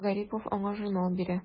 Гарипов аңа журнал бирә.